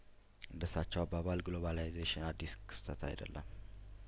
እንደ እሳቸው አባባል ግሎባላይዜሽን አዲስ ክስተት አይደለም